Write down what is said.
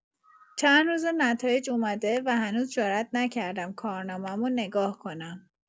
چند روزه نتایج اومده و هنوز جرئت نکردم کارنامه‌مو نگاه کنم.